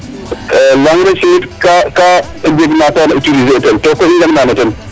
l' engrais chimique ka ka jeg na ta wareena utiliser tel tokoy i njangnan o ten